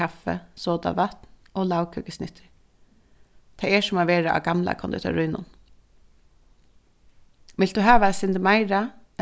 kaffi sodavatn og lagkøkusnittur tað er sum at vera á gamla kondittarínum vilt tú hava eitt sindur meira